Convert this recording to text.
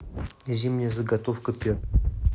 зимняя заготовка перца